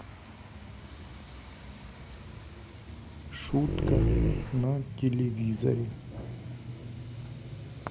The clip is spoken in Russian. шутка на телевизоре